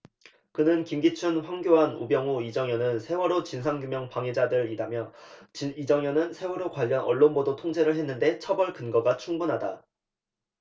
그는 김기춘 황교안 우병우 이정현은 세월호 진상규명 방해자들이다며 이정현은 세월호 관련 언론보도 통제를 했는데 처벌 근거가 충분하다